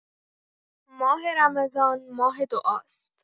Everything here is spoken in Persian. ماه رمضان ماه دعاست.